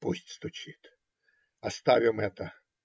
Пусть стучит, оставим это.